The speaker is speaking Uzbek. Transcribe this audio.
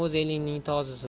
o'z elingning tozisi bo'l